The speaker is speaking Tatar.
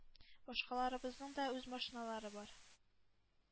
Башкаларыбызның да үз машиналары бар.